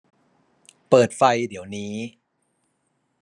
เปิดไฟเดี๋ยวนี้